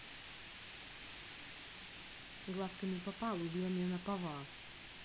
глазками попала убила меня наповал